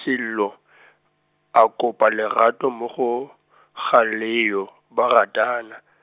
Sello , a kopa lerato mo go, Galeyo, ba ratana.